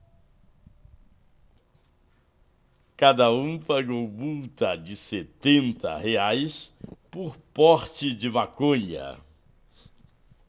cada um pagou multa de setenta reais por porte de maconha